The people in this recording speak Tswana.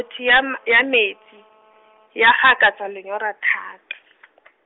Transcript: thothi ya metsi ya gakatsa lenyora thata